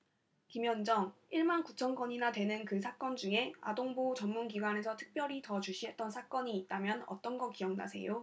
김현정 일 만 구천 건이나 되는 그 사건 중에 아동보호 전문기관에서 특별히 더 주시했던 사건이 있다면 어떤 거 기억나세요